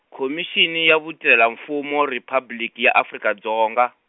Khomixini ya Vutirhela-Mfumo Riphabliki ya Afrika Dzonga.